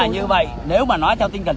là như vậy nếu mà nói theo tinh thần